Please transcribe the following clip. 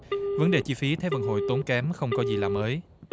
vấn đề chi phí thế vận hội tốn kém không có gì là mới